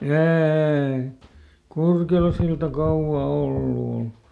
ei Kurkelansilta kauan ollut ole